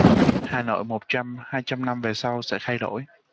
hà nội một trăm hai trăm năm về sau sẽ thay đổi